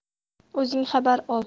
o'zing xabar ol